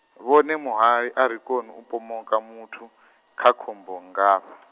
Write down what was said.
vhone muhali a ri koni u pomoka muthu, kha khombo nngafha.